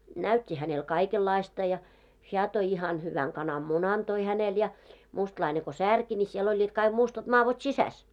näytti hänelle kaikenlaista ja hän toi ihan hyvän kananmunan toi hänelle ja mustalainen kun särki niin siellä olivat kaikki mustat madot sisässä